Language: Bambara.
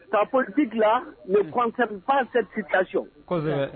Ta politique là ne concerne pas cette situation